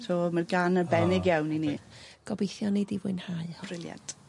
So ma'r gân arbennig iawn i ni. Gobeithi nei di fwynhau. Brilliant.